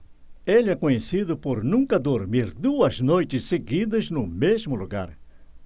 ele é conhecido por nunca dormir duas noites seguidas no mesmo lugar